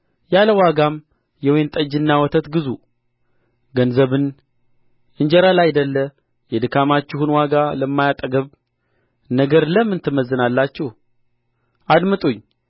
ያለ ዋጋም የወይን ጠጅና ወተት ግዙ ገንዘብን እንጀራ ላይደለ የድካማችሁንም ዋጋ ለማያጠግብ ነገር ለምን ትመዝናላችሁ አድምጡኝ